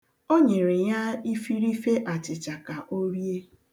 O nyere ya ifirife achịcha ka o rie.